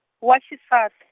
wa xisat-.